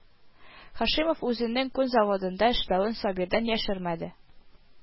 Һашимов үзенең күн заводында эшләвен Сабир-дан яшермәде